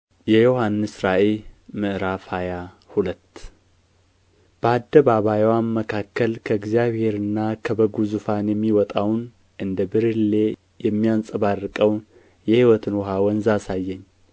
የዮሐንስ ራእይ ምዕራፍ ሃያ ሁለት በአደባባይዋም መካከል ከእግዚአብሔርና ከበጉ ዙፋን የሚወጣውን እንደ ብርሌ የሚያንጸባርቀውን የሕይወትን ውኃ ወንዝ አሳየኝ